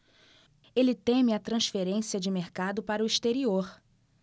ele teme a transferência de mercado para o exterior